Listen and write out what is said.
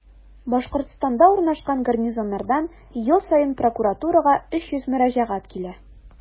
Башкортстанда урнашкан гарнизоннардан ел саен прокуратурага 300 мөрәҗәгать килә.